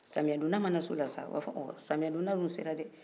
samiyɛ donda mana se ola sa u b' a fɔ ɔɔ samiyɛ donda dun sera dɛɛ